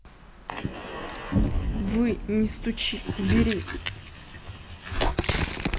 вы не стучи убери